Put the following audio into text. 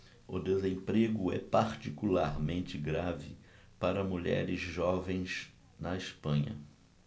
o desemprego é particularmente grave para mulheres jovens na espanha